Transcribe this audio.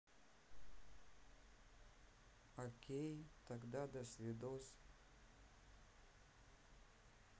окей тогда досвидос